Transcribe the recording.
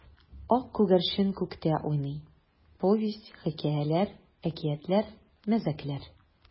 Ак күгәрчен күктә уйный: повесть, хикәяләр, әкиятләр, мәзәкләр.